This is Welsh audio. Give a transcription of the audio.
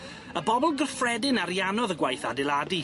y bobol gyffredin ariannodd y gwaith adeladu.